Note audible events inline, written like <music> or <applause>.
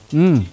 <hesitation> <hesitation>